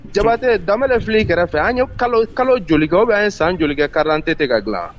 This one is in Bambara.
Jabatɛ dabɛlɛ fili i kɛrɛfɛ an ye kalo kalo joli kɛ ou bien an ye san joli kɛ carte d'identité tɛ ka dilan ?